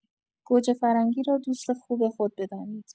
گوجه‌فرنگی را دوست خوب خود بدانید.